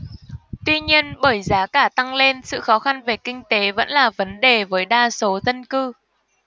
tuy nhiên bởi giá cả tăng lên sự khó khăn về kinh tế vẫn là vấn đề với đa số dân cư